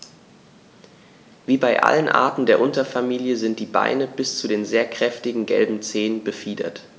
Wie bei allen Arten der Unterfamilie sind die Beine bis zu den sehr kräftigen gelben Zehen befiedert.